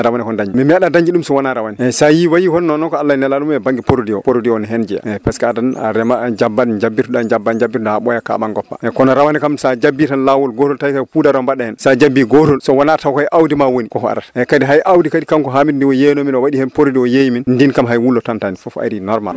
rawane ko dañmi mi meɗa dañde ɗum sowona rawane eyyi sa yii wayi hono noon ko Allah e Nelaɗo mum e banggue produit o produit o ne hen jeeya par ce que adani a reemat jabbat jabbitoɗa jabba jabbitoɗa ha ɗooya kaɗa goppa eyyi kono rawane kam sa jabbi tan lawol gotol tawi kay ko poudare o ba??a hen sa jabbi gotol sowona taw koye awdima woni ko arata mais kadi hay e awdi kadi kanko Hamidou nde o yeyno min o wa?i hen produit o yeyi min ndin kam hay wullo tantani foof ari normal